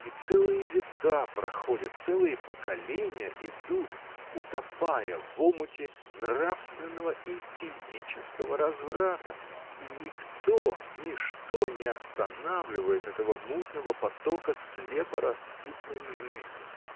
И целые века проходят, целые поколения идут, утопая в омуте нравственного и физического разврата, — и никто, ничто не останавливает этого мутного потока слепо-распутной жизни!